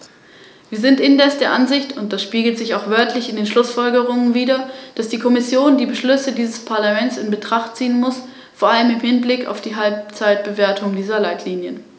In der EU werden große Mengen gefährlicher Güter auf der Straße, Schiene und Wasserstraße befördert, und dafür benötigen wir effektive Rechtsvorschriften.